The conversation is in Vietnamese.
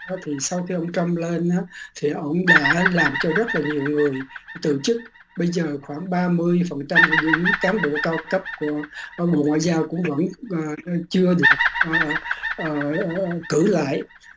thì sau khi ông trăm lên thì ông đã làm cho rất là nhiều người từ chức bây giờ khoảng ba mươi phần trăm của những cán bộ cao cấp của bộ ngoại giao cũng vẫn chưa được ở cử lại